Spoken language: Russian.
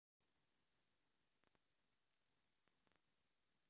столкновение машин